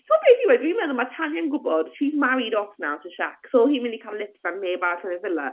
Tibod beth yw e? Dwi'n meddwl mae Tanya'n gwybod she's married off now to Shaq so hi'n mynd i gael lips gan neb arall yn y villa.